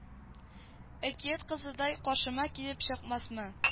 Әкият кызыдай каршыма килеп чыкмасмы